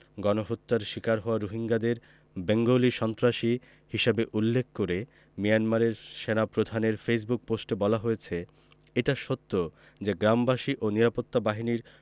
গণহত্যার শিকার হওয়া রোহিঙ্গাদের বেঙ্গলি সন্ত্রাসী হিসেবে উল্লেখ করে মিয়ানমারের সেনাপ্রধানের ফেসবুক পোস্টে বলা হয়েছে এটা সত্য যে গ্রামবাসী ও নিরাপত্তা বাহিনীর